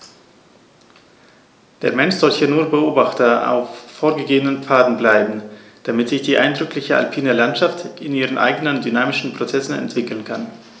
Der Mensch soll hier nur Beobachter auf vorgegebenen Pfaden bleiben, damit sich die eindrückliche alpine Landschaft in ihren eigenen dynamischen Prozessen entwickeln kann.